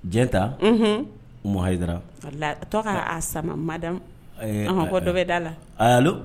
Diɲɛta maha a tɔgɔ' sama mada dɔ bɛ da la y'lo